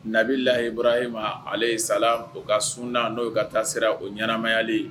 Nabi layi bɔrahi ma ale ye sa o ka sunda n'o ka taa sera o ɲmayalen